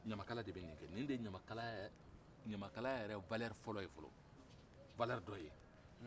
ɲamaka de bɛ ni kɛ ni de ye ɲamakaya-ɲamakalaya yɛrɛ walɛri fɔlɔ ye fɔlɔ walɛri dɔ ye